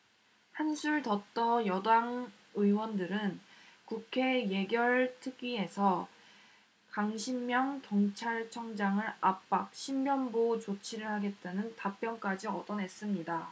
한술 더 떠 여당 의원들은 국회 예결특위에서 강신명 경찰청장을 압박 신변보호 조치를 하겠다는 답변까지 얻어냈습니다